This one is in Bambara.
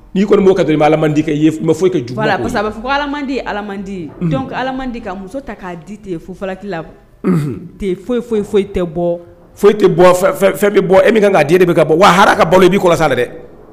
N'i kɔni'o to i bɛ kɛ ye bɛ foyi bɛ fɔden ye aladi ka muso ta k'a di tɛ fofaki la foyi foyi foyi tɛ bɔ foyi tɛ fɛn bɛ bɔ e kan di de bɛ ka bɔ wa hara ka bɔ i b'i kɔ sa dɛ